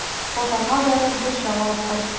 Базарга барып, борчак алып кайт.